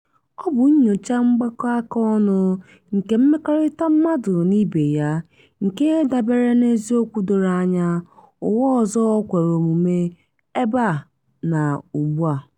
Ọ bụ nnyocha mgbakọ aka ọnụ nke mmekọrịta mmadụ na ibe ya, nke dabere n'eziokwu doro anya: ụwa ọzọ kwere omume, ebe a na ugbu a.